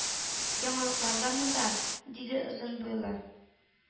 Яңаклыйлар да монда,- диде озын буйлы,